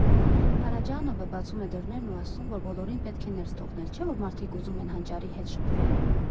Փարաջանովը բացում է դռներն ու ասում, որ բոլորին պետք է ներս թողնել, չէ՞ որ մարդիկ ուզում են հանճարի հետ շփվել։